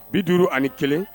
Bi duuru ani ni kelen